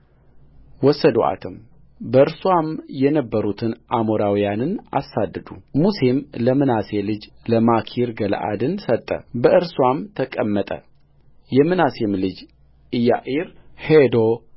ወሰዱአትም በእርስዋም የነበሩትን አሞራውያንን አሳደዱሙሴም ለምናሴ ልጅ ለማኪር ገለዓድን ሰጠ በእርስዋም ተቀመጠየምናሴም ልጅ ኢያዕር ሄዶ